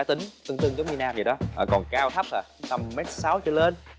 cá tính tượng tương giống như nam dậy đó ở còn cao thấp à tầm mét sáu trở lên